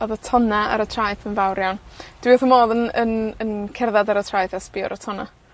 Odd y tonna' ar y traeth yn fawr iawn. Dwi wrth fy modd yn yn yn cerddad ar y traeth, a sbïo ary tonna'.